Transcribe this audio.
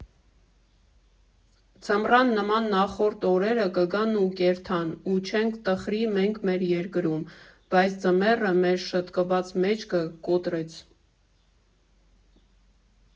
Ձմռան նման ձախորդ օրերը կգան ու կերթան, ու չենք տխրի մենք մեր երկրում, բայց ձմեռը մեր շտկված մեջքը կոտրեց.